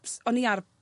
ps- o'n i ar